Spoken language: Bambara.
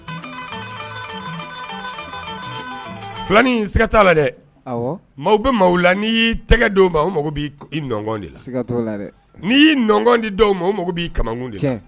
Filaninka t la dɛ bɛ tɛgɛ dɔw o di dɔwkun